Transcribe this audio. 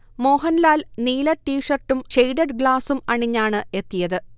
മോഹൻലാൽ നീല ടീഷർട്ടും ഷെയ്ഡഡ് ഗ്ലാസും അണിഞ്ഞാണ് എത്തിയത്